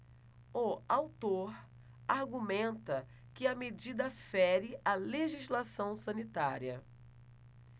o autor argumenta que a medida fere a legislação sanitária